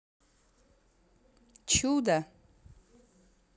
чудо